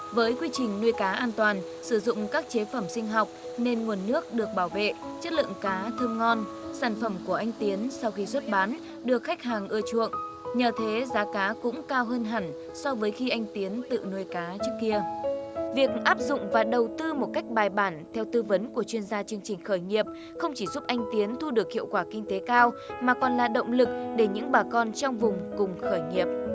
với quy trình nuôi cá an toàn sử dụng các chế phẩm sinh học nên nguồn nước được bảo vệ chất lượng cá thơm ngon sản phẩm của anh tiến sau khi xuất bán được khách hàng ưa chuộng nhờ thế giá cá cũng cao hơn hẳn so với khi anh tiến tự nuôi cá trước kia việc áp dụng và đầu tư một cách bài bản theo tư vấn của chuyên gia chương trình khởi nghiệp không chỉ giúp anh tiến thu được hiệu quả kinh tế cao mà còn là động lực để những bà con trong vùng cùng khởi nghiệp